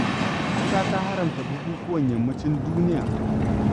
4. ƙasa ta haramta bukukuwan Yammacin duniya.